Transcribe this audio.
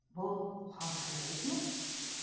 bu xomxayollikmi